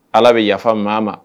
Ala be yafa maa ma